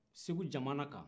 segu jamana kan